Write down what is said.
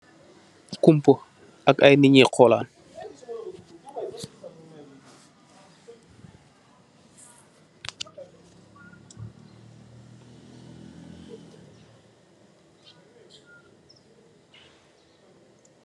Kumpo ak ay nit ñiy xoolan.